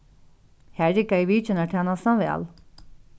har riggaði vitjanartænastan væl